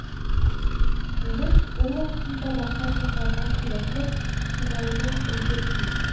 Имеш, ул вакытында башка цехларга кирәкле чималны өлгертми